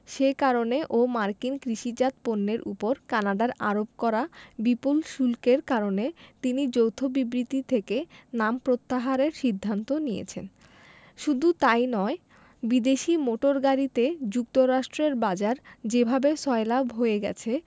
সে কারণে ও মার্কিন কৃষিজাত পণ্যের ওপর কানাডার আরোপ করা বিপুল শুল্কের কারণে তিনি যৌথ বিবৃতি থেকে নাম প্রত্যাহারের সিদ্ধান্ত নিয়েছেন শুধু তা ই নয় বিদেশি মোটর গাড়িতে যুক্তরাষ্ট্রের বাজার যেভাবে সয়লাব হয়ে গেছে